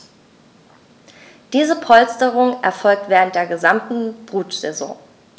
Diese Polsterung erfolgt während der gesamten Brutsaison.